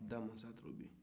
damasatorobi